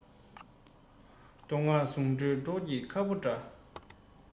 མདོ སྔགས ཟུང འབྲེལ སྒྲོག ཀྱང ཁ ཕོ འདྲ